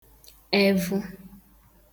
evụ